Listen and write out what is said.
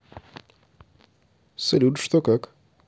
салют что как